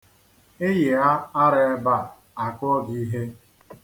Ị yịa ara ebe a, a kụọ gị ihe.